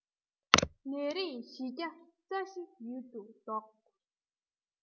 ནད རིམས བཞི བརྒྱ རྩ བཞི ཡུལ དུ བཟློག